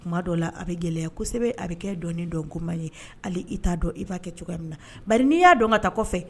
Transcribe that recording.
Kuma la a bɛ gɛlɛyasɛbɛ a bɛ kɛ dɔnɔni dɔn koman ye i t'a dɔn i ba kɛ min na ba n'i y'a dɔn ka taa kɔfɛ